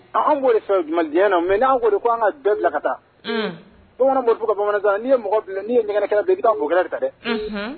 An fɛndenyaya na mɛ'an ko anan ka bɛɛ bila ka taa bamanan mori ka bamanan n ye ɲɛ i ka mɔgɔkɛ ka dɛ